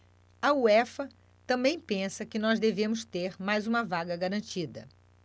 a uefa também pensa que nós devemos ter mais uma vaga garantida